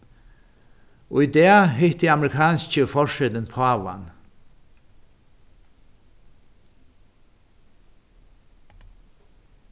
í dag hitti amerikanski forsetin pávan